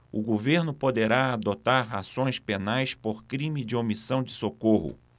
o governo poderá adotar ações penais por crime de omissão de socorro